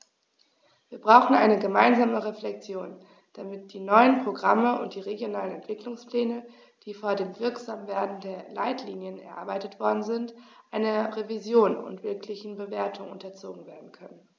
Wir brauchen eine gemeinsame Reflexion, damit die neuen Programme und die regionalen Entwicklungspläne, die vor dem Wirksamwerden der Leitlinien erarbeitet worden sind, einer Revision und wirklichen Bewertung unterzogen werden können.